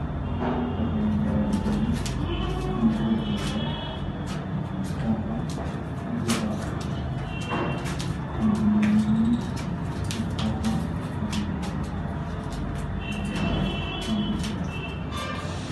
Karton garap yy tehguu, am kuloor bu weexh, bu hougk ak lu asse, am bindeh nyu nyoul nyu ko binder 20 ngaram.